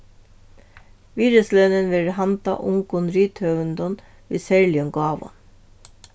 virðislønin verður handað ungum rithøvundum við serligum gávum